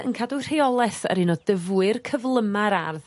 ...yn cadw rheoleth yr un o dyfwyr cyflyma'r ardd.